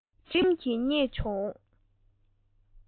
དྲིས ལན རིམ གྱིས རྙེད སོང